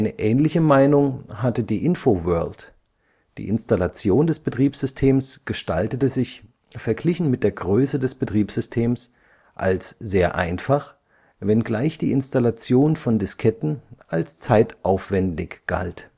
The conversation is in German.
ähnliche Meinung hatte die InfoWorld; die Installation des Betriebssystems gestaltete sich, verglichen mit der Größe des Betriebssystems, als sehr einfach, wenngleich die Installation von Disketten als zeitaufwendig galt